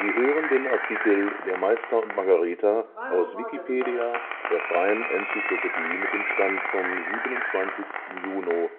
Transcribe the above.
hören den Artikel Der Meister und Margarita, aus Wikipedia, der freien Enzyklopädie. Mit dem Stand vom Der